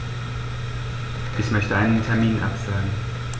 Ich möchte einen Termin absagen.